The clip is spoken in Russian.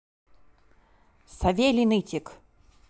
савелий нытик